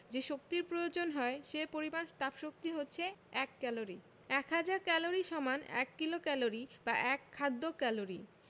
যে শক্তির প্রয়োজন হয় সে পরিমাণ তাপশক্তি হচ্ছে এক ক্যালরি এক হাজার ক্যালরি সমান এক কিলোক্যালরি বা এক খাদ্য ক্যালরি